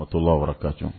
Otɔ wɛrɛ ka ca